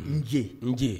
N j n j